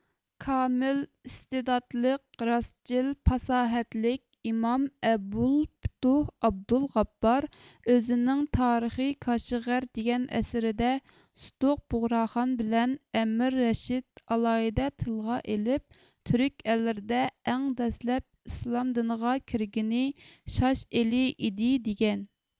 كامىل ئىستېداتلىق راستچىل پاساھەتلىك ئىمام ئەبۇل پۇتۇھ ئابدۇل غاپپار ئۆزىنىڭ تارىخى كاشىغەر دېگەن ئەسىرىدە سۇتۇق بۇغراخان بىلەن ئەمىر رەشىد ئالاھىدە تىلغا ئېلىپ تۈرك ئەللىرىدە ئەڭ دەسلەپ ئىسلام دىنىغا كىرگىنى شاش ئېلى ئىدى دېگەن